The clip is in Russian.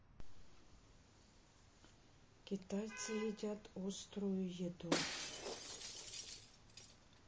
китайцы едят острую еду